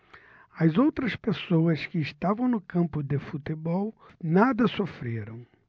as outras pessoas que estavam no campo de futebol nada sofreram